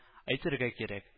Әйтергә кирәк